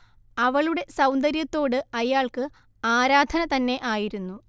അവളുടെ സൗന്ദര്യത്തോട് അയാൾക്ക് ആരാധന തന്നെ ആയിരുന്നു